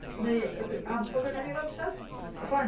Neu y- g- am bod gynom ni'r amser, o'r blaen.